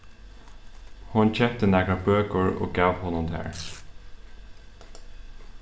hon keypti nakrar bøkur og gav honum tær